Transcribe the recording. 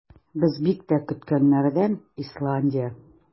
Без бик тә көткәннәрдән - Исландия.